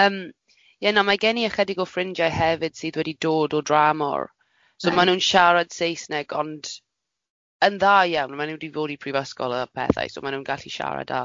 Yym ie na, mae gen i ychydig o ffrindiau hefyd sydd wedi dod o dramor... Reit. ...so maen nhw'n siarad Saesneg ond, yn dda iawn, maen nhw di bod i prifysgol a pethau, so maen nhw'n gallu siarad da,